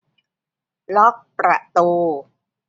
ล็อกประตู